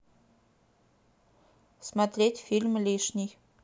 смотреть фильм лишний